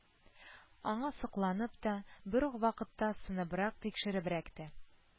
Аңа сокланып та, бер үк вакытта сынабрак-тикшеребрәк тә